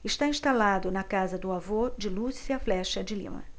está instalado na casa do avô de lúcia flexa de lima